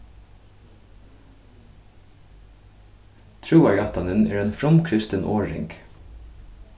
trúarjáttanin er ein frumkristin orðing